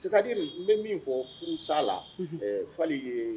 Sekadi n bɛ min fɔ furu sa la fali ye